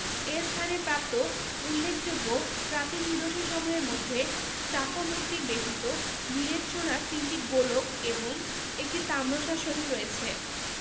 এ স্থানে প্রাপ্ত উল্লেখযোগ্য প্রাচীন নিদর্শনসমূহের মধ্যে স্টাকো মূর্তি ব্যতীত নিরেট সোনার তিনটি গোলক এবং একটি তাম্রশাসন রয়েছে